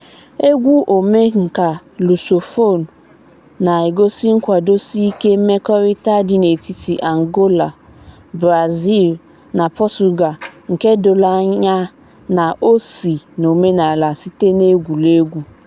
Egwu omenka Lusophone na-egosi nkwadosiike mmekọrịta dị n'etiti Angola, Brazil na Pọtụga- nke doro anya na o si n'omenaala site n'egwuregwu.